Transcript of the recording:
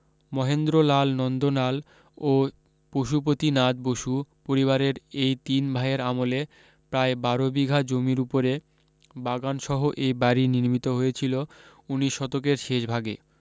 মহেন্দ্রলাল নন্দলাল ও পশুপতিনাথ বসু পরিবারের এই তিন ভাইয়ের আমলে প্রায় বারো বিঘা জমির উপরে বাগান সহ এই বাড়ী নির্মিত হয়েছিলো উনিশ শতকের শেষ ভাগে